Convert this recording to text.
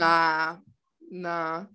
Na na.